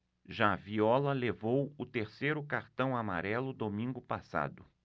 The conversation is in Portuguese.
já viola levou o terceiro cartão amarelo domingo passado